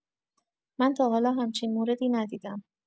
من تا حالا همچین موردی ندیدم.